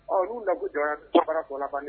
Ɔ n'u la jɔn sabananrakan